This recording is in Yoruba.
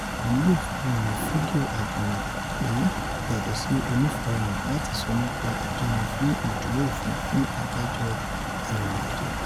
ọpọ ni yoo farahan ni fidio ajumọ pe, yatọsi onifarahan, lati sọ nipa ẹjọ wọn fun iduro ofin fun adajọ arinrinajo.